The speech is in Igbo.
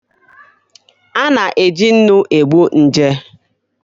A na-eji nnu egbu nje.